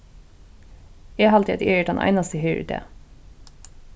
eg haldi at eg eri tann einasti her í dag